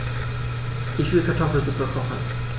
Ich will Kartoffelsuppe kochen.